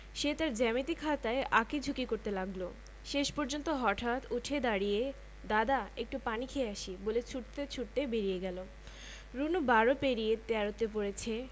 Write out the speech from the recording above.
সে তার জ্যামিতি খাতায় আঁকি ঝুকি করতে লাগলো শেষ পর্যন্ত হঠাৎ উঠে দাড়িয়ে দাদা একটু পানি খেয়ে আসি বলে ছুটতে ছুটতে বেরিয়ে গেল রুনু বারো পেরিয়ে তেরোতে পড়েছে